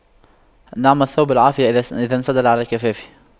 نعم الثوب العافية إذا انسدل على الكفاف